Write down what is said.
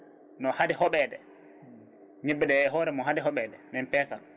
no haade hooɓede ñebbe ɗe e hoore mum haade hooɓede min peesat